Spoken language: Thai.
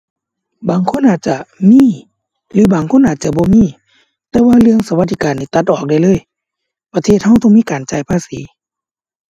บางคนอาจจะมี หรือบางคนอาจจะบ่มี แต่ว่าเรื่องสวัสดิการนี่ตัดออกได้เลย ประเทศเราต้องมีการจ่ายภาษี